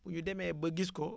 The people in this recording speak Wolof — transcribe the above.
bu ñu demee ba gis ko